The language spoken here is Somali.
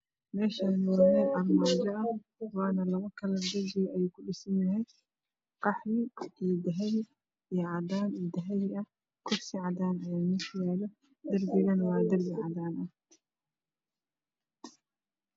Meeshaan waa meel armaajo ah waana labo kalar darbiga ayay kudhisan tahay waa qaxwi iyo dahabi, cadaan iyo dahabi. Kursi cadaan ah ayaa meesha yaalo darbiga waa cadaan.